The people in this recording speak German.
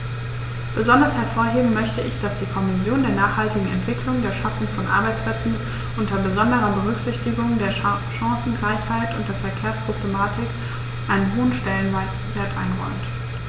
Besonders hervorheben möchte ich, dass die Kommission der nachhaltigen Entwicklung, der Schaffung von Arbeitsplätzen unter besonderer Berücksichtigung der Chancengleichheit und der Verkehrsproblematik einen hohen Stellenwert einräumt.